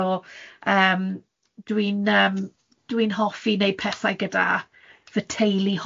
so yym dwi'n yym dwi'n hoffi 'neud pethau gyda fy teulu